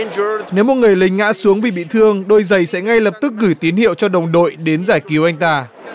nếu một người lính ngã xuống vì bị thương đôi giày sẽ ngay lập tức gửi tín hiệu cho đồng đội đến giải cứu anh ta